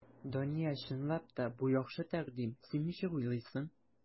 Дания, чынлап та, бу яхшы тәкъдим, син ничек уйлыйсың?